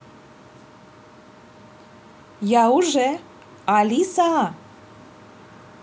я уже алиса